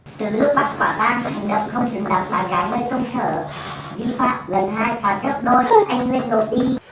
từ lúc bắt quả tang hành động không xứng đáng tán gái nơi công sở vi phạm lần hai phạt gấp đôi anh nguyên nạp đi